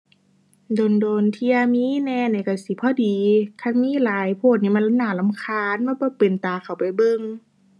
โดนโดนเที่ยมีแหน่นี่ก็สิพอดี คันมีหลายโพดนี่มันน่ารำคาญ มันบ่เป็นตาเข้าไปเบิ่ง